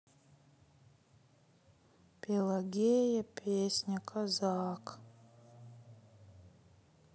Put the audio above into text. пелагея песня казак